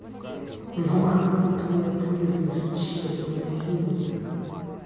ну хрен твой ответ если честно афина